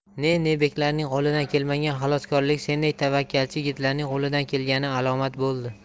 ne ne beklarning qo'lidan kelmagan xaloskorlik sendek tavakkalchi yigitlarning qo'lidan kelgani alomat bo'ldi